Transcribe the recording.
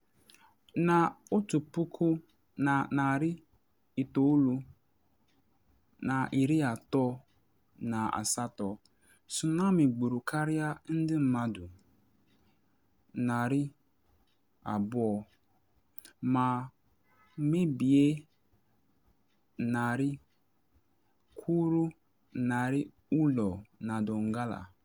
Na 1938, tsunami gburu karịa ndị mmadụ 200 ma mebie narị kwụrụ narị ụlọ na Donggala.